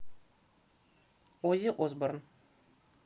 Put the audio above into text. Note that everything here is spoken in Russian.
оззи осборн